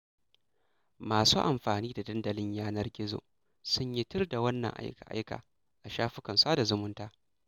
Masu amfani da dandalin yanar gizo sun yi tir da wannan aika-aika a shafukan sada zumunta.